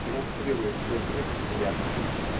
демонстрирует против ассимиляции.